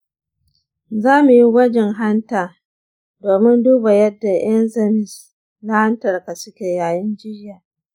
za mu yi gwajin hanta domin duba yadda enzymes na hantarka suke yayin jiyya.